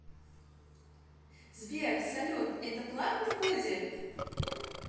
сбер салют это платно будет